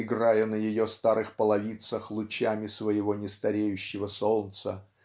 играя на ее старых половицах лучами своего нестареющего солнца